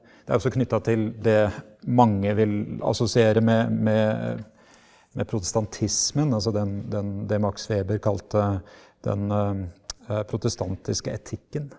det er jo også knytta til det mange vil assosiere med med med protestantismen altså den den det Max Weber kalte den protestantiske etikken.